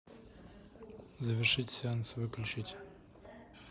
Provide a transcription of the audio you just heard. завершить сеанс выключить